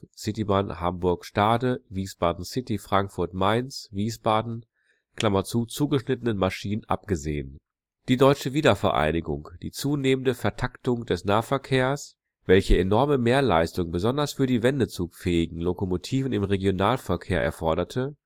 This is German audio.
Citybahn Hamburg - Stade, " Wiesbaden City " Frankfurt - Mainz - Wiesbaden) zugeschnittenen Maschinen abgesehen. Die deutsche Wiedervereinigung, die zunehmende Vertaktung des Nahverkehrs, welche enorme Mehrleistungen besonders für wendezugfähige Lokomotiven im Regionalverkehr erforderte